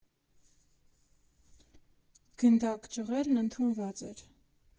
Գնդակ ճղելն ընդունված էր։